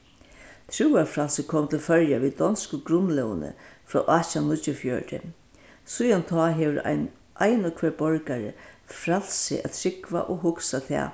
trúarfrælsi kom til føroya við donsku grundlógini frá átjan níggjuogfjøruti síðan tá hevur ein ein og hvør borgari frælsi at trúgva og hugsa tað